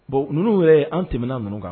Bon ninnu wɛɛ an tɛmɛna ninnu kan